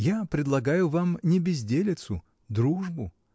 Я предлагаю вам не безделицу: дружбу.